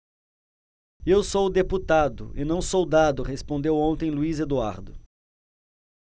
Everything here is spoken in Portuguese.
eu sou deputado e não soldado respondeu ontem luís eduardo